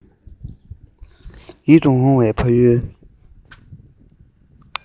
ཡིད དུ འོང བའི ཕ ཡུལ